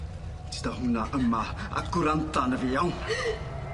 hwnna yma a gwranda arna fi iawn?